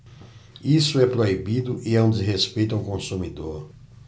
isso é proibido e é um desrespeito ao consumidor